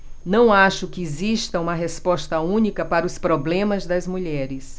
não acho que exista uma resposta única para os problemas das mulheres